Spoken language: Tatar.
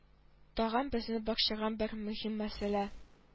Тагын безне борчыган бер мөһим мәсьәлә